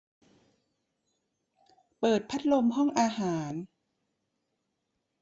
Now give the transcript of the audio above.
เปิดพัดลมห้องอาหาร